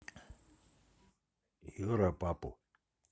юра папу